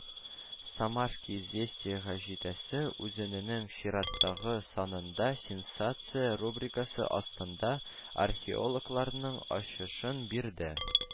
“самарские известия” гәҗитәсе үзененең чираттагы санында сенсация рубрикасы астында археологларның ачышын бирде